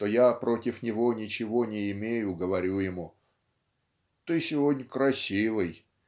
что я против него ничего не имею говорю ему ты сегодня красивый